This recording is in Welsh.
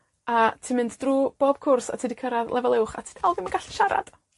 A ti'n mynd drw bob cwrs, a ti 'di cyrradd lefel uwch a ti dy- o dwi'm yn gallu siarad.